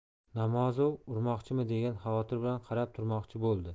namozov urmoqchimi degan xavotir bilan qarab turmoqchi bo'ldi